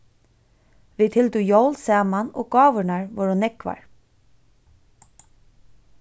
vit hildu jól saman og gávurnar vóru nógvar